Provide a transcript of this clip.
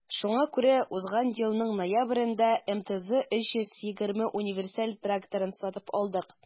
Шуңа күрә узган елның ноябрендә МТЗ 320 универсаль тракторын сатып алдык.